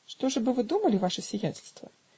что же бы вы думали, ваше сиятельство?